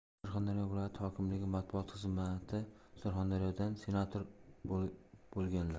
surxondaryo viloyati hokimligi matbuot xizmatisurxondaryodan senator bo'lganlar